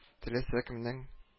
Теләсә кемнең